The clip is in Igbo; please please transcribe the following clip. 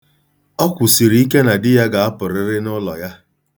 Ọ kwụsiri ike na di ya na-apụrịrị n'ụlọ ya.